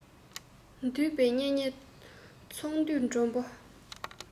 འདུས པའི གཉེན གྲོགས ཚོང འདུས མགྲོན པོ